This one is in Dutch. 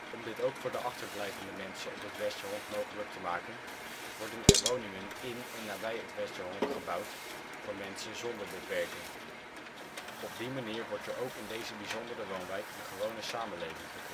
Om dit ook voor de achterblijvende mensen op het Westerhonk mogelijk te maken, worden er woningen in en nabij het Westerhonk gebouwd voor mensen zonder beperking. Op die manier wordt er ook in deze bijzondere woonwijk een gewone samenleving gecreëerd